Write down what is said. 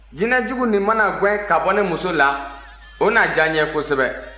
jinɛjugu nin mana gɛn ka bɔ ne muso la o na diya n ye kosɛbɛ